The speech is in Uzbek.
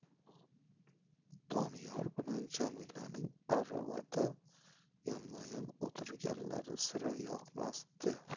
doniyor bilan jamilaning aravada yonma yon o'tirganlari sira yoqmasdi